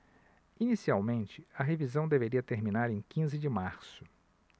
inicialmente a revisão deveria terminar em quinze de março